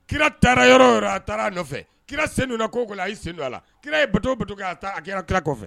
Kira taara yɔrɔ a taara a nɔfɛ kira sen don ko a sen don a la kira yeto a kira kira kɔfɛ